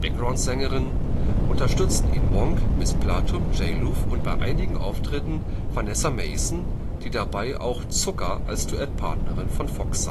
Backgroundsänger unterstützten ihn Monk, Miss Platnum, J-Luv und bei einigen Auftritten Vanessa Mason, die dabei auch Zucker als Duettpartnerin von Fox